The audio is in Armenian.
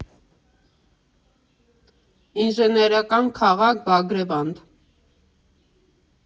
Ինժեներական քաղաք, Բագրևանդ։